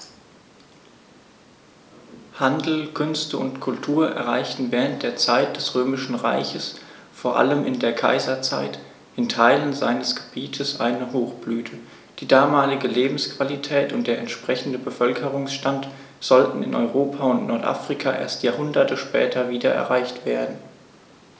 Handel, Künste und Kultur erreichten während der Zeit des Römischen Reiches, vor allem in der Kaiserzeit, in Teilen seines Gebietes eine Hochblüte, die damalige Lebensqualität und der entsprechende Bevölkerungsstand sollten in Europa und Nordafrika erst Jahrhunderte später wieder erreicht werden.